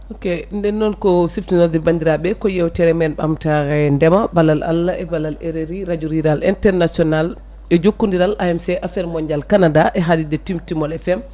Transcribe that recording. ok nden noon ko siftonorde bandiraɓe ko yewtere men ɓamtare ndeema ballal Allah e ballal RRI radio rural international e jokkodiral AMC affaire mondial Canada e haalirde Timtimol FM